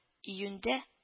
Июньдә